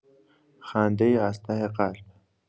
خنده‌ای از ته قلب